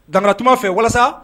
Daanatuma fɛ walasa